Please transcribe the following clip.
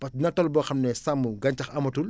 parce que dina toll boo xam ne sàmm gàncax amatul